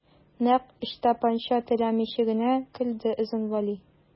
Нәкъ Ычтапанча теләмичә генә көлде Озын Вәли.